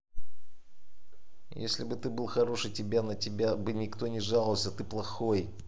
если бы ты был хороший тебя на тебя бы никто не жаловался а ты плохой